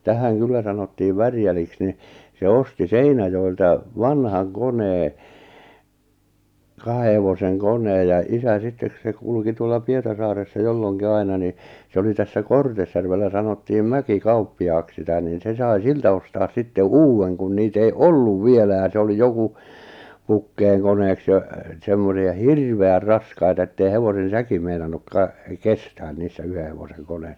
tähän kyllä sanottiin Värjäliksi niin se osti Seinäjoelta vanhan koneen kahden hevosen koneen ja isä sitten kun se kulki tuolla Pietarsaaressa jolloinkin aina niin se oli tässä Kortesjärvellä sanottiin Mäkikauppiaaksi sitä niin se sai siltä ostaa sitten uuden kun niitä ei ollut vielä ja se oli joku pukkeenkoneeksi ja semmoinen ja hirveän raskaita että ei hevosen säki meinannut - kestää niissä yhden hevosen koneissa